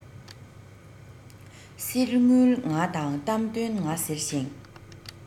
གསེར དངུལ ང དང གཏམ དོན ང ཟེར ཞིང